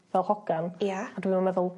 fel hogan. Ia. A dwi'm yn meddwl